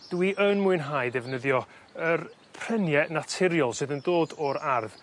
Dwi yn mwynhau ddefnyddio yr prenie naturiol sydd yn dod o'r ardd